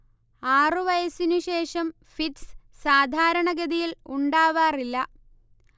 ആറു വയസ്സിനുശേഷം ഫിറ്റ്സ് സാധാരണഗതയിൽ ഉണ്ടാവാറില്ല